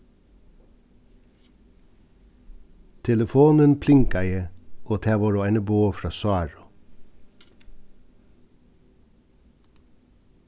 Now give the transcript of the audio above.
telefonin plingaði og tað vóru eini boð frá sáru